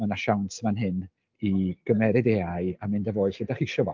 ma' 'na siawns fan hyn i gymeryd AI a mynd â fo i lle dach chi isio fo.